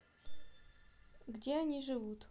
где они живут